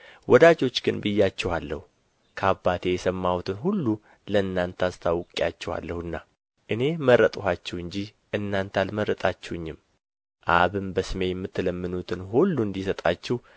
ወዳጆች ግን ብያችኋለሁ ከአባቴ የሰማሁትን ሁሉ ለእናንተ አስታውቄአችኋለሁና እኔ መረጥኋችሁ እንጂ እናንተ አልመረጣችሁኝም አብም በስሜ የምትለምኑትን ሁሉ እንዲሰጣችሁ